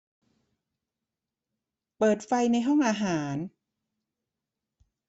เปิดไฟในห้องอาหาร